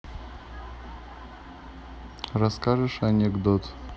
расскажешь анекдот